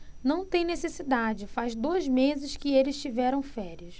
não tem necessidade faz dois meses que eles tiveram férias